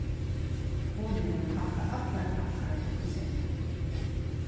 hon hevur pakkað allar pakkar upp í senn